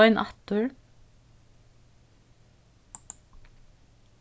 royn aftur